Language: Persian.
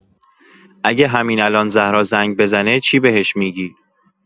اگه همین الان زهرا زنگ بزنه چی بهش می‌گی؟